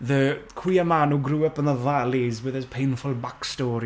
The queer man who grew up in the Valleys, with his painful backstory.